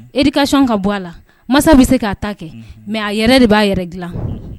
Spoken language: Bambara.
I kati ka bɔ a la masa bɛ se ka ta kɛ nka a yɛrɛ de b'a yɛrɛ dilan